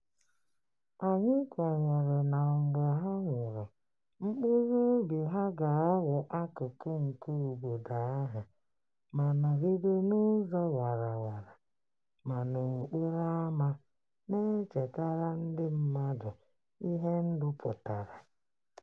Anyị kwenyere na mgbe ha nwụrụ, mkpụrụ obi ha ga-aghọ akụkụ nke obodo ahụ ma nọgide n'ụzọ warawara ma n'okporo ámá, na-echetara ndị mmadụ ihe ndụ pụtara.